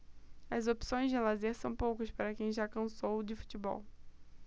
as opções de lazer são poucas para quem já cansou de futebol